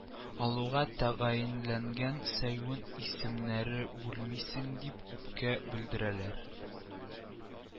Алуга тәгаенләнгән сайвен исемнәребүлмисең дип үпкә белдерәләр